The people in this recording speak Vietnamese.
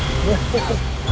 bây